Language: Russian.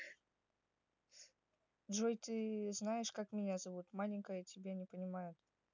джой ты знаешь как меня зовут маленькая тебя не понимает